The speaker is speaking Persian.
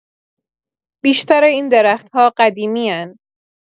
«بیشتر این درخت‌ها قدیمی‌ان.